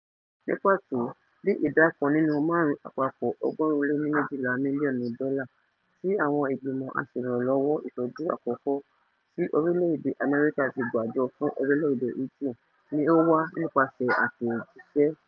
Ní pàtó, bíi ìdá kan nínú márùn-ún àpapọ̀ $112 mílíọ̀nù tí àwọn Ìgbìmọ̀ Aṣèrànlọ́wọ́ Ìtọ́jú Àkọ́kọ́ tí orílẹ̀ èdè America ti gbàjọ fún orílẹ̀-èdè Haiti ni ó wá nípasẹ̀ àtẹ̀ àtẹ̀jíṣẹ́.